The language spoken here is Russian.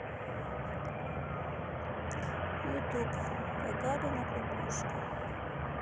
ютуб гагарина кукушка